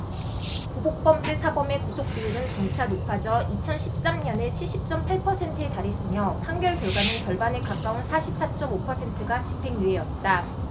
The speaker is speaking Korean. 보복 범죄 사범의 구속 비율은 점차 높아져 이천 십 삼 년에 칠십 쩜 팔 퍼센트에 달했으며 판결 결과는 절반에 가까운 사십 사 쩜 오 퍼센트가 집행유예였다